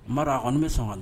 Mara a kɔni bɛ sɔn ka la